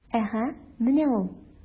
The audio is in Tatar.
Әһә, менә ул...